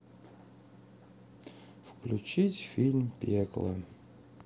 включить фильм пекло